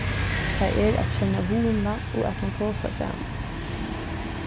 tað er at kenna hugna og at mann tosar saman